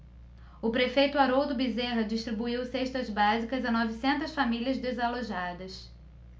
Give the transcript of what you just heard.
o prefeito haroldo bezerra distribuiu cestas básicas a novecentas famílias desalojadas